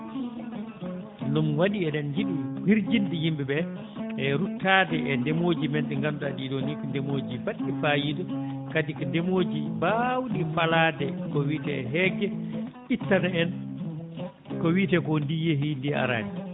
ɗum waɗi eɗen njiɗi hirjinde yimɓe ɓe e ruttaade e ndemooji men ɗi ngannduɗaa ɗii ɗoo nii ko ndemooji mbaɗɗi faayida kadi ko ndemooji mbaawɗi falaade ko wiyetae heege ittana en ko wiyetee koo ndii yeyii ndii artaani